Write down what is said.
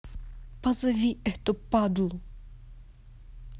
позови эту падлу